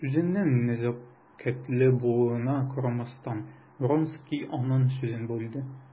Үзенең нәзакәтле булуына карамастан, Вронский аның сүзен бүлде.